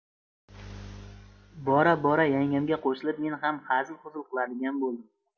bora bora yangamga qo'shilib men ham hazil huzul qiladigan bo'ldim